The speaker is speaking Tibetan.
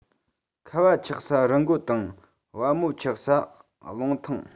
ཁ བ ཆགས ས རི མགོ དང བ མོ ཆགས ས ཀླུང ཐང